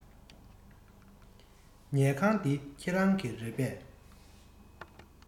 ཉལ ཁང འདི ཁྱེད རང གི རེད པས